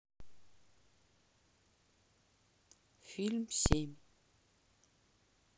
фильм семь